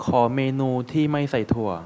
ขอเมนูที่ไม่ใส่ถั่ว